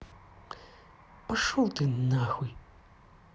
пошел ты нахуй